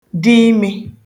dị imē